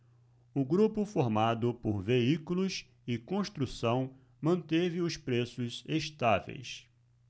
o grupo formado por veículos e construção manteve os preços estáveis